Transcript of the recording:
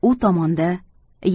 u tomonda